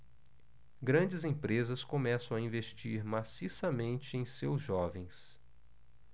grandes empresas começam a investir maciçamente em seus jovens